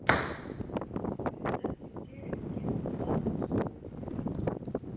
рецепт тефтелек в кисло сладком соусе